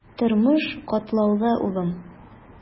Тормыш катлаулы, улым.